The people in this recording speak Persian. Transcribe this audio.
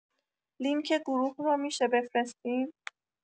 لینک گروه رو می‌شه بفرستین